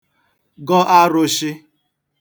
gọ arụshị̄